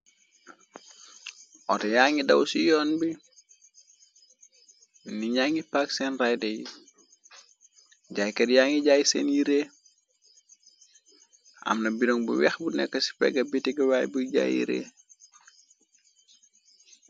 Outé ya ngi daw ci yoon bi bi ni njangi park seen rider yi jaaykar ya ngi jaay seen yi rée amna biron bu wex bu nekk ci pega bitigwaay bu jaayyi rée.